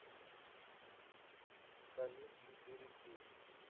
камин четыре кей